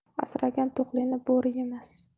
asragan to'qlini bo'ri yemas